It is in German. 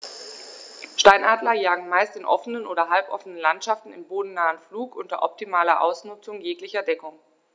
Steinadler jagen meist in offenen oder halboffenen Landschaften im bodennahen Flug unter optimaler Ausnutzung jeglicher Deckung.